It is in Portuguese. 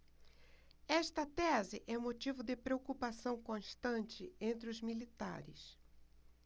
esta tese é motivo de preocupação constante entre os militares